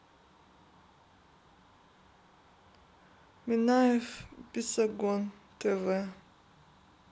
минаев бесогон тв